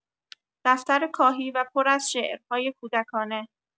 دفتر کاهی و پر از شعرهای کودکانه